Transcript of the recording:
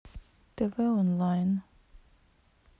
тв онлайн